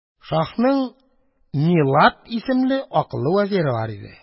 Шаһның Милад исемле акыллы вәзире бар иде.